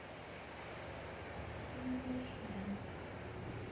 шиммер шайн